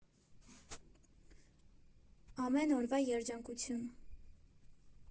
Ամեն օրվա երջանկություն։